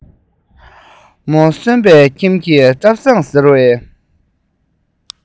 མ སོན པའི ཁྱིམ གྱི བཀྲ བཟང ཟེར བའི